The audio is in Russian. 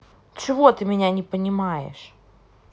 чего ты меня не понимаешь